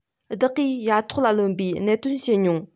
བདག གིས ཡ ཐོག ལ ལོག པའི གནད དོན བཤད མྱོང